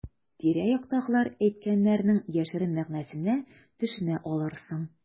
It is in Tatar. Тирә-яктагылар әйткәннәрнең яшерен мәгънәсенә төшенә алырсың.